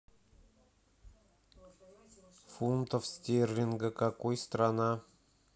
фунтов стерлинга какой страна